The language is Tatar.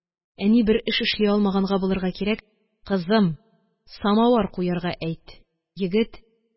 Әни бер эш эшли алмаганга булырга кирәк: – Кызым, самавыр куярга әйт! – диде. Егет: